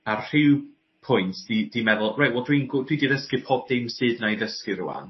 ar rhyw pwynt 'di 'di meddwl reit wel dwi'n gw- dwi 'di ddysgu pob dim sydd 'na i dysgu rŵan